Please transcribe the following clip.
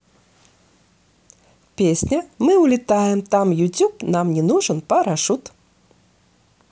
песня мы улетаем там youtube нам не нужен парашют